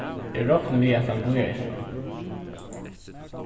eg rokni við at hann bíðar eftir okkum